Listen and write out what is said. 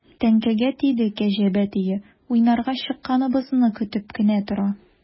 Теңкәгә тиде кәҗә бәтие, уйнарга чыкканыбызны көтеп кенә тора.